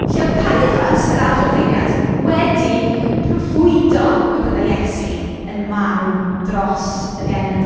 Felly oedd Caiaffas yr archoffeiriad wedi proffwydo y byddai Iesu yn marw dros y genedl.